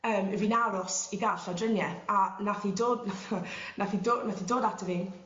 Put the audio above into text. yym 'yf fi'n aros i gal llawdrinieth a nath 'i dod nath nath 'i do- nath i dod ato fi